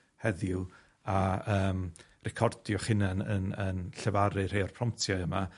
heddiw, a yym recordio'ch hunan yn yn llefaru rhai o'r promptia yma